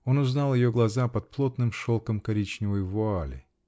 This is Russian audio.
Он узнал ее глаза под плотным шелком коричневой вуали.